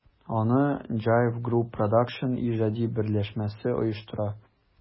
Аны JIVE Group Produсtion иҗади берләшмәсе оештыра.